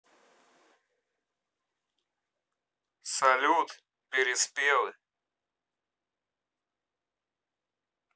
салют переспелый